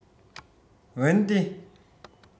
འོན ཏེ